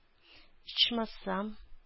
Ичмасам